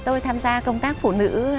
tôi tham gia công tác phụ nữ